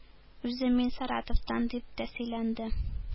Үзе: “Мин Саратовтан”, – дип тә сөйләнде.